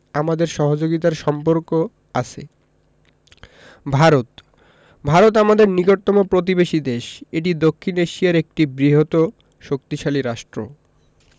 আমাদের সহযোগিতার সম্পর্ক আছে ভারতঃ ভারত আমাদের নিকটতম প্রতিবেশী দেশএটি দক্ষিন এশিয়ার একটি বৃহৎও শক্তিশালী রাষ্ট্র